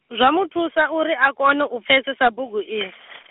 zwa mu thusa uri a kone u pfesesa bugu iyi.